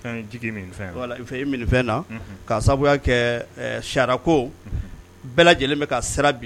I na' sabu kɛ siyanko bɛɛ lajɛlen bɛ ka sira bi